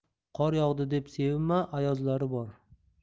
qor yog'di deb sevinma ayozlari bor